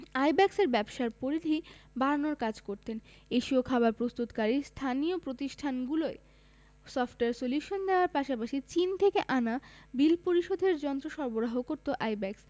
আইব্যাকসের ব্যবসার পরিধি বাড়ানোর কাজ করতেন এশীয় খাবার প্রস্তুতকারী স্থানীয় প্রতিষ্ঠানগুলোয় সফটওয়্যার সলিউশন দেওয়ার পাশাপাশি চীন থেকে আনা বিল পরিশোধের যন্ত্র সরবরাহ করত আইব্যাকস